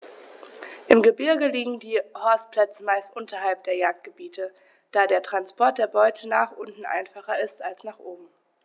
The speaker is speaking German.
Im Gebirge liegen die Horstplätze meist unterhalb der Jagdgebiete, da der Transport der Beute nach unten einfacher ist als nach oben.